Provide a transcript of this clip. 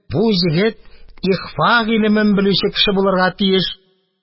Бу егет ихфа гыйлемен белүче кеше булырга тиеш.